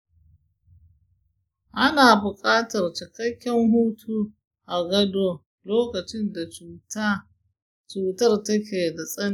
ana buƙatar cikakken hutu a gado lokacin da cutar take da tsanani.